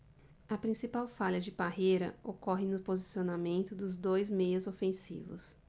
a principal falha de parreira ocorre no posicionamento dos dois meias ofensivos